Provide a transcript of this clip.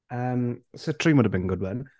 Yym, citrine would have been a good one.